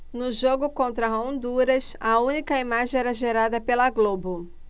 no jogo contra honduras a única imagem era gerada pela globo